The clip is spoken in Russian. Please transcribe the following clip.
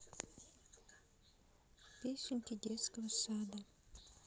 песенки детского сада